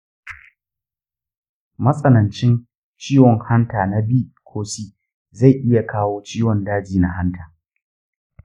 matsanancin ciwon hanta na b ko c zai iya kawo ciwon daji na hanta.